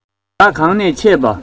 བདག གང ནས ཆས པ